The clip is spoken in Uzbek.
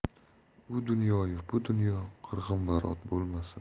u dunyoyu bu dunyo qirg'inbarot bo'lmasin